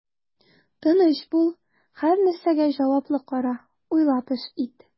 Тыныч бул, һәрнәрсәгә җаваплы кара, уйлап эш ит.